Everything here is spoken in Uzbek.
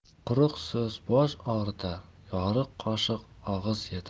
quruq so'z bosh og'ritar yoriq qoshiq og'iz yirtar